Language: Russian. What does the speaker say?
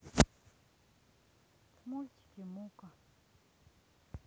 мультики мука